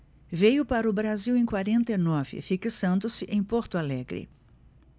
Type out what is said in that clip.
veio para o brasil em quarenta e nove fixando-se em porto alegre